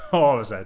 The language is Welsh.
O fysen.